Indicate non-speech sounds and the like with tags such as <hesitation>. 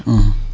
<hesitation> <hesitation>